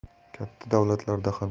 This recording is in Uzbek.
katta davlatlarda ham